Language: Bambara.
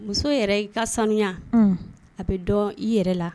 Muso yɛrɛ i ka sanuya a bɛ dɔn i yɛrɛ la